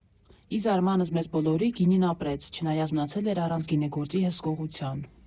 Ի զարմանս մեզ բոլորի՝ գինին ապրեց, չնայած մնացել էր առանց գինեգործի հսկողության։